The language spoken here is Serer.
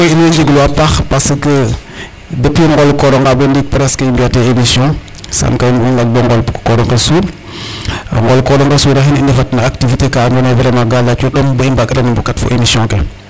i woy njeegluwaa a paax parce que depuis o nqool koor onqa bo ndiik i mbi'atee émission. Yaam ka i mbug'u nga bo o nqool koor onqe suur ii. Nqool koor onqe suarahin i ndefat na activité ka andoona yee vraiment ga yaac o ɗom bo i mbag'iran o mbokat fo émission ke .